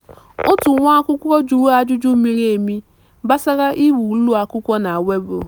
Otu nwa akwụkwọ jụrụ ajụjụ miri emi gbasara iwu ụlọakwụkwọ na Weibo: